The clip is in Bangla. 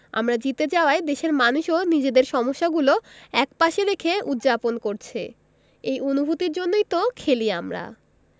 আমরা জিতে যাওয়ায় দেশের মানুষও নিজেদের সমস্যাগুলো একপাশে রেখে উদ্ যাপন করছে এই অনুভূতির জন্যই তো খেলি আমরা